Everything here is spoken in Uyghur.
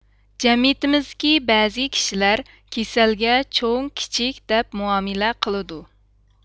جەمئىيىتىمىزدىكى بەزى كىشىلەر كېسەلگە چوڭ كىچىك دەپ مۇئامىلە قىلىدۇ